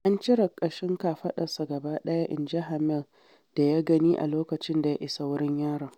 An cire kashin ƙafaɗarsa gaba ɗaya,” inji Hammel da ya gani a lokacin da ya isa wurin yaron.